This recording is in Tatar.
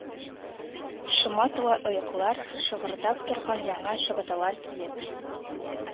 Шома тула оеклар, шыгырдап торган яңа чабаталар киеп,